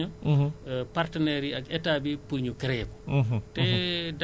donc loolu mooy lu gën te soññ